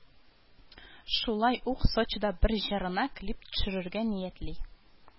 Шулай ук Сочида бер җырына клип төшерергә ниятли